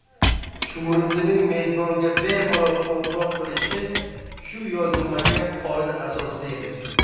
chuvrindining mezbonga bemalol qo'ng'iroq qilishi shu yozilmagan qoida asosida edi